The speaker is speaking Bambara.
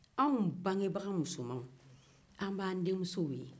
anw bangebaga musomanw an bɛ an denmusow ye